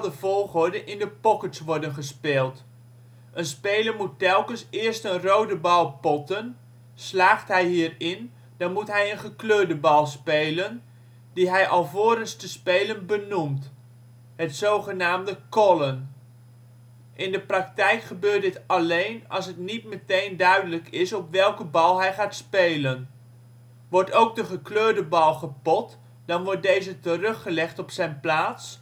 volgorde in de pockets worden gespeeld. Een speler moet telkens eerst een rode bal potten. Slaagt hij hierin, dan moet hij een gekleurde bal spelen, die hij alvorens te spelen benoemt (het zogenaamde ' callen '). In de praktijk gebeurt dit alleen als het niet meteen duidelijk is op welke bal hij gaat spelen. Wordt ook de gekleurde bal gepot, dan wordt deze teruggelegd op zijn plaats